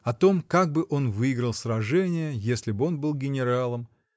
о том, как бы он выиграл сражение, если б он был генералом